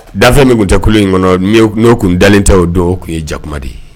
Dafɛn min tun tɛ ku in kɔnɔ n'o tun dalen tɛ'o don tun ye jakuma de ye